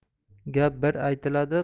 gap bir aytiladi